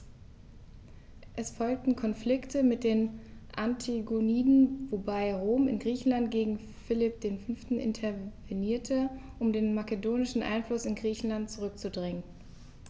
Es folgten Konflikte mit den Antigoniden, wobei Rom in Griechenland gegen Philipp V. intervenierte, um den makedonischen Einfluss in Griechenland zurückzudrängen.